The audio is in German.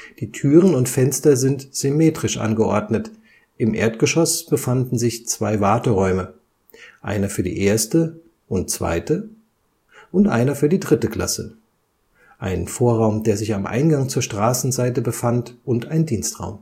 Die Türen und Fenster sind symmetrisch angeordnet, im Erdgeschoss befanden sich zwei Warteräume, einer für die erste und zweite und einer für die dritte Klasse, ein Vorraum, der sich am Eingang zur Straßenseite befand, und ein Dienstraum